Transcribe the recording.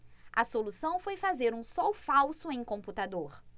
a solução foi fazer um sol falso em computador